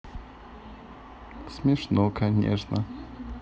смешно конечно